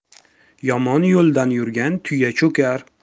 yomon yoldan yurgan tuya cho'kar